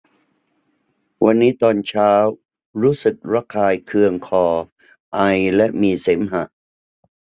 วันนี้ตอนเช้ารู้สึกระคายเคืองคอไอและมีเสมหะ